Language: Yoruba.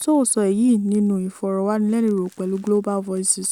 "Sow sọ èyí nínú Ìfọ̀rọ̀wánilẹ́nuwò pẹ̀lú Global Voices.